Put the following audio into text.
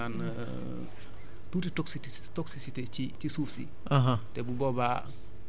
parce que mën nañu andi li ñu naan tuuti toxi toxicité ci ci suuf si